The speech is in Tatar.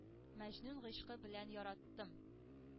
Мәҗнүн гыйшкы белән яраттым.